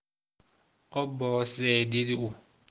obbo siz ey dedi u